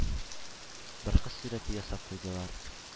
Бер кыз сурәте ясап куйдылар.